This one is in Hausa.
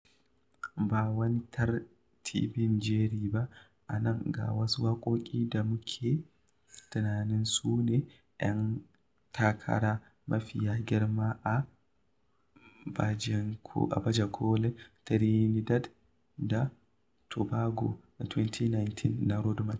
Ba wani tartibin jeri ba, a nan ga wasu waƙoƙi da muke tunanin su ne 'yan takara mafiya girma a baje-kolin Trinidad da Tobago na 2019 na Road March…